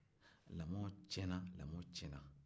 lamɔnw tiɲɛna danbew tiɲɛna